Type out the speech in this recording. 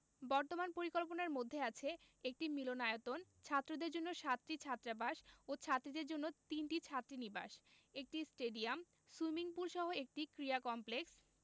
বর্তমান পরিকল্পনার মধ্যে আছে একটি মিলনায়তন ছাত্রদের জন্য সাতটি ছাত্রাবাস ও ছাত্রীদের জন্য তিনটি ছাত্রীনিবাস একটি স্টেডিয়াম সুইমিং পুলসহ একটি ক্রীড়া কমপ্লেক্স